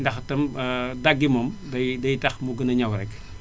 ndax tam dàggi moom day day tax mu gën a ñaw rekk